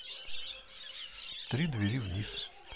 три двери вниз